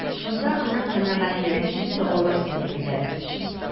Шунда гына канәгатьлек хисе алыр сине биләп.